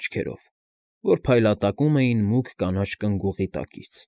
Աչքերով, որ փայլատակում էին մուգ կանաչ կնգուղի տակից։